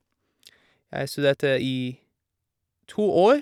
Jeg studerte i to år.